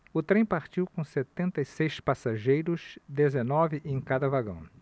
o trem partiu com setenta e seis passageiros dezenove em cada vagão